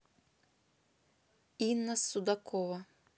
инна судакова